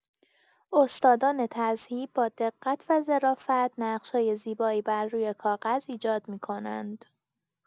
استادان تذهیب با دقت و ظرافت، نقش‌های زیبایی بر روی کاغذ ایجاد می‌کنند.